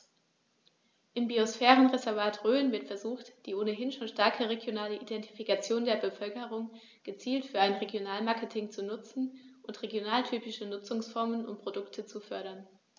Im Biosphärenreservat Rhön wird versucht, die ohnehin schon starke regionale Identifikation der Bevölkerung gezielt für ein Regionalmarketing zu nutzen und regionaltypische Nutzungsformen und Produkte zu fördern.